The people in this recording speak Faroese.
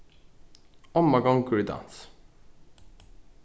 omma gongur í dans